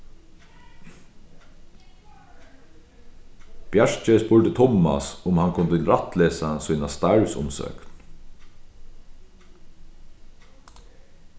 bjarki spurdi tummas um hann kundi rættlesa sína starvsumsókn